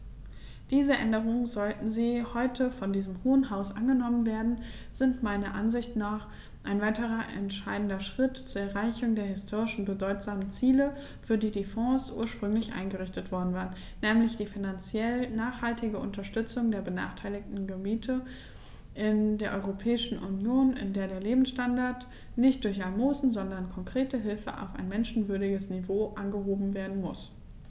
Diese Änderungen, sollten sie heute von diesem Hohen Haus angenommen werden, sind meiner Ansicht nach ein weiterer entscheidender Schritt zur Erreichung der historisch bedeutsamen Ziele, für die die Fonds ursprünglich eingerichtet worden waren, nämlich die finanziell nachhaltige Unterstützung der benachteiligten Gebiete in der Europäischen Union, in der der Lebensstandard nicht durch Almosen, sondern konkrete Hilfe auf ein menschenwürdiges Niveau angehoben werden muss.